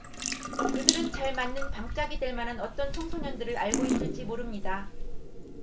그들은 잘 맞는 방짝이 될 만한 어떤 청소년들을 알고 있을지 모릅니다